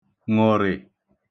ṅụ̀rị